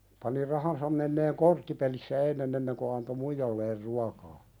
pani rahansa menemään korttipelissä ennen ennen kuin antoi muijalleen ruokaa